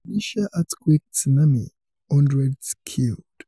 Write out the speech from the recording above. Indonesia earthquake tsunami: hundreds killed